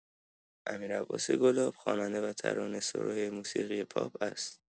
امیرعباس گلاب خواننده و ترانه‌سرای موسیقی پاپ است.